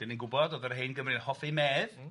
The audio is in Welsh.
'Dan ni'n gwbod o'dd yr hen Gymry yn hoffi medd. M-hm.